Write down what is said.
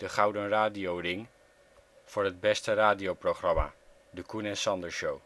Gouden RadioRing voor het beste radioprogramma (de Coen en Sander Show